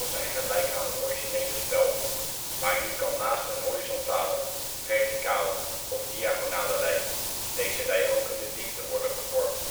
zijn gelijk aan het originele spel maar nu kan naast een horizontale, verticale of diagonale rij deze rij ook in de diepte worden gevormd